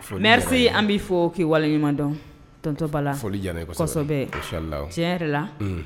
Mɛri an bɛ fɔ k'i wale ɲuman dɔnto lasɔ tiɲɛ yɛrɛ la